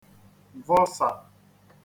vọsà